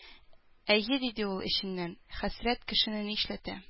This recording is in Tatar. «әйе,— диде ул эченнән,—хәсрәт кешене нишләтә!»